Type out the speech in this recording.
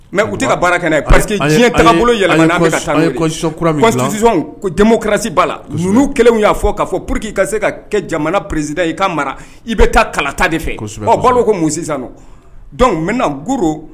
Mɛ u tɛ ka baara kɛ parce que diɲɛ yɛlɛ kɛrasi la kɛlen y'a fɔ k'a fɔ po que ka se ka kɛ jamana psida i ka mara i bɛ taa kalata de fɛ aw b'a ko mun dɔnku bɛna g